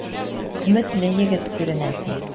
Өметле егет күренәсең.